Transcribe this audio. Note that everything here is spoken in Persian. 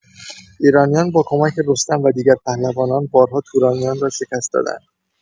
ایرانیان با کمک رستم و دیگر پهلوانان، بارها تورانیان را شکست دادند.